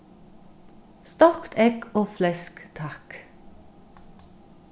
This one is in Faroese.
stokt egg og flesk takk